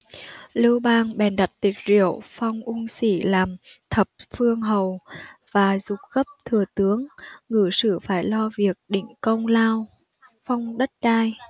lưu bang bèn đặt tiệc rượu phong ung xỉ làm thập phương hầu và giục gấp thừa tướng ngự sử phải lo việc định công lao phong đất đai